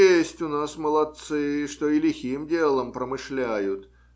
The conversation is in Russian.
Есть у нас молодцы, что и лихим делом промышляют